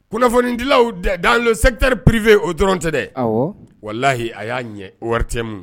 Kunnafonidilaw dan sɛteri pripife o dɔrɔn tɛ dɛ wala lahiyi a y'a ɲɛ o waritɛmu